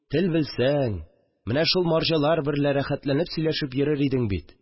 Тел белсәң, менә шул марҗалар берлә рәхәтләнеп сөйләшеп йөрер идең бит